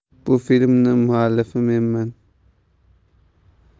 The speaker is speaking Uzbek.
bu filmni muallifi menman